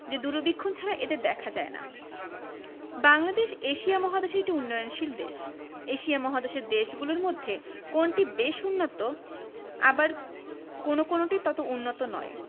যে দূরবীক্ষণ ছাড়া এদের দেখা যায় না বাংলাদেশ এশিয়া মহাদেশের একটি উন্নয়নশীল দেশ এশিয়া মহাদেশের দেশগুলোর মধ্যে কোনটি বেশ উন্নত আবার কোনো কোনোটি তত উন্নত নয়